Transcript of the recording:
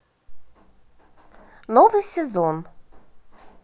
новый сезон